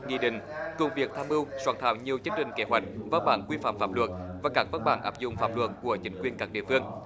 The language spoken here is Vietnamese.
nghị định công việc tham mưu soạn thảo nhiều chương trình kế hoạch văn bản quy phạm pháp luật và các văn bản áp dụng pháp luật của chính quyền các địa phương